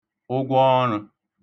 ụgwọọṙə̣̄